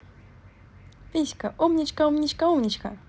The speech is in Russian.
писька умничка умничка умничка